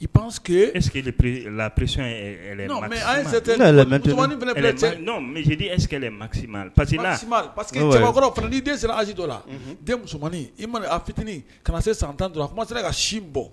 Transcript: I pansseke e la presimani es sigilen masikɔrɔ fanadi den sera az dɔ la den musomank i mana a fitinin kana se san tan dɔrɔn a kuma sera ka sin bɔ